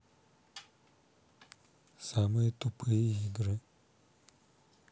самые тупые игры